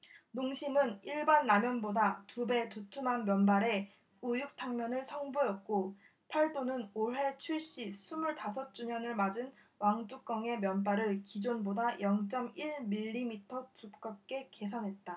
농심은 일반라면보다 두 배 두툼한 면발의 우육탕면을 선보였고 팔도는 올해 출시 스물 다섯 주년을 맞은 왕뚜껑의 면발을 기존보다 영 쩜 일 밀리미터 두껍게 개선했다